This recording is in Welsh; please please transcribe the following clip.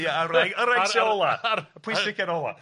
Ie a'r wraig a'r wraig sy ola a'r a'r a'r pwysica'n ola.